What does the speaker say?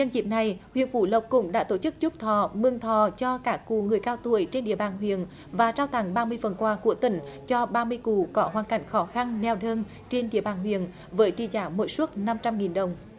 nhân dịp này huyện phú lộc cũng đã tổ chức chúc thọ mừng thọ cho cả cụ người cao tuổi trên địa bàn huyện và trao tặng ba mươi phần quà của tỉnh cho ba mươi cụ có hoàn cảnh khó khăn neo đơn trên địa bàn huyện với chi trả mỗi suất năm trăm nghìn đồng